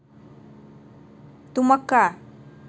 тумака